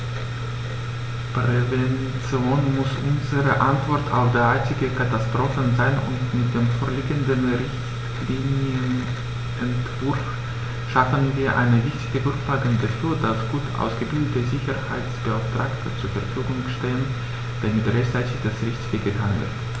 Prävention muss unsere Antwort auf derartige Katastrophen sein, und mit dem vorliegenden Richtlinienentwurf schaffen wir eine wichtige Grundlage dafür, dass gut ausgebildete Sicherheitsbeauftragte zur Verfügung stehen, damit rechtzeitig das Richtige getan wird.